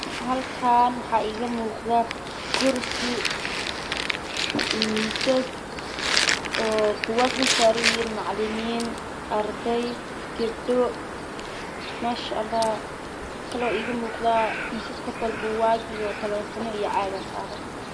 Halkaan waxa kamuudo kursi iyo miisas buugaag dul saaranyihiin macalimiin iyo arday